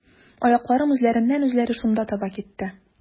Аякларым үзләреннән-үзләре шунда таба китте.